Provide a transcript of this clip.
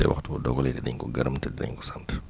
te waxtu bu dogalee dinañ ko gërëm te dinañ ko sant